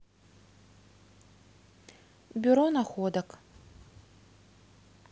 бюро находок